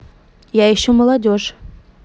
я еще молодежь